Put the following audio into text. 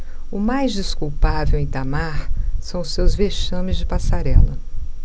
o mais desculpável em itamar são os seus vexames de passarela